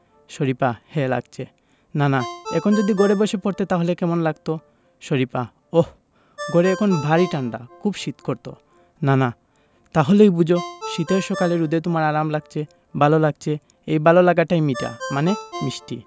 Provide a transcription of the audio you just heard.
শরিফা হ্যাঁ লাগছে নানা এখন যদি ঘরে বসে পড়তে তাহলে কেমন লাগত শরিফা ওহ ঘরে এখন ভারি ঠাণ্ডা খুব শীত করত নানা তা হলেই বোঝ শীতের সকালে রোদে তোমার আরাম লাগছে ভালো লাগছে এই ভালো লাগাটাই মিঠা মানে মিষ্টি